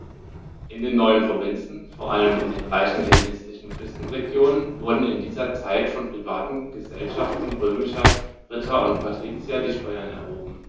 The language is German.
In den neuen Provinzen, vor allem in den reichen hellenistischen Küstenregionen, wurden in dieser Zeit von privaten „Gesellschaften“ römischer Ritter und Patrizier die Steuern erhoben.